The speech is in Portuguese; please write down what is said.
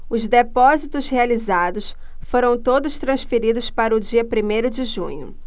os depósitos realizados foram todos transferidos para o dia primeiro de junho